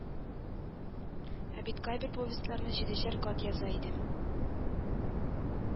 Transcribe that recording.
Ә бит кайбер повестьларны җидешәр кат яза идем